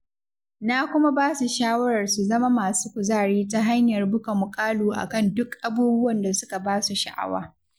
Na kuma ba su shawarar su zama masu kuzari ta hanyar buga muƙalu a kan duk abubuwan da suka ba su sha'awa.